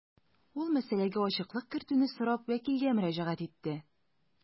Ул мәсьәләгә ачыклык кертүне сорап вәкилгә мөрәҗәгать итте.